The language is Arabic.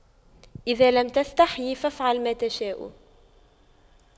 اذا لم تستحي فأفعل ما تشاء